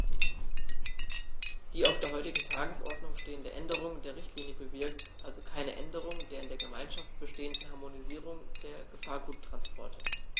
Die auf der heutigen Tagesordnung stehende Änderung der Richtlinie bewirkt also keine Änderung der in der Gemeinschaft bestehenden Harmonisierung der Gefahrguttransporte.